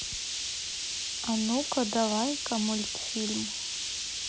а ну ка давай ка мультфильм